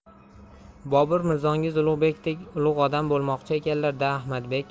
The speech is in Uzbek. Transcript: bobur mirzongiz ulug'bekdek ulug' odam bo'lmoqchi ekanlar da ahmadbek